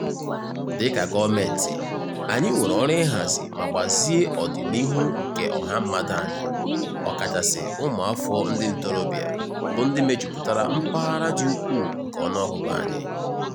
Dịka Gọọmenti anyị nwere ọrụ ịhazi ma gbazie ọdịnihu nke ọha mmadụ anyị, ọkachasị ụmụafọ ndị ntorobịa, bụ ndị mejupụtara mpaghara dị ukwuu nke ọnụọgụgụ anyị.